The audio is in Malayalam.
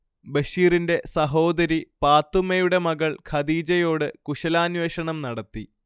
ബഷീറിന്റെ സഹോദരി പാത്തുമ്മയുടെ മകൾ ഖദീജയോട് കുശലാന്വേഷണം നടത്തി